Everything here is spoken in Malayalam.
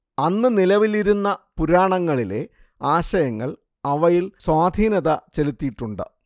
അന്നു നിലവിലിരുന്ന പുരാണങ്ങളിലെ ആശയങ്ങൾ ഇവയിൽ സ്വാധീനത ചെലുത്തിയിട്ടുണ്ട്